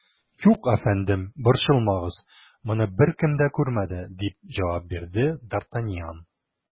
Юк, әфәндем, борчылмагыз, моны беркем дә күрмәде, - дип җавап бирде д ’ Артаньян.